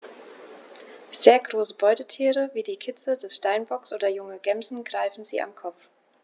Sehr große Beutetiere wie Kitze des Steinbocks oder junge Gämsen greifen sie am Kopf.